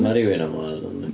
Ma' rywun am ladd o yndi.